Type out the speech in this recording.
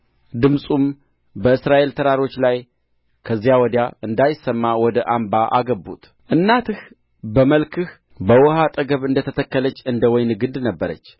ድምፁም በእስራኤል ተራሮች ላይ ከዚያ ወዲያ እንዳይሰማ ወደ አምባ አገቡት እናትህ በመልክህ በውኃ አጠገብ እንደ ተተከለች እንደ ወይን ግንድ ነበረች